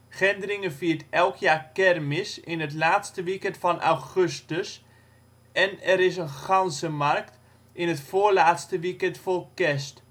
Gendringen viert elk jaar kermis in het laatste weekend van augustus, en is er een ganzenmarkt in de voorlaatste weekend voor kerst